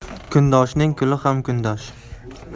kundoshning kuli ham kundosh